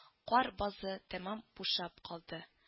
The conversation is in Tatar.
Кар базы тәмам бушап калды